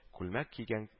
Күлмәк кигән